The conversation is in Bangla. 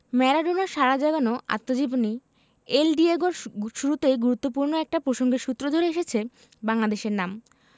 ম্যারাডোনার সাড়া জাগানো আত্মজীবনী এল ডিয়েগো র শুরুতেই গুরুত্বপূর্ণ একটা প্রসঙ্গের সূত্র ধরে এসেছে বাংলাদেশের নাম